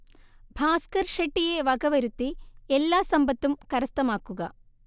ഭാസ്ക്കർ ഷെട്ടിയെ വക വരുത്തി എല്ലാ സമ്പത്തും കര്സഥമാക്കുക